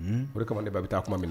Hun, o de kama ne ba bɛ taa kuma min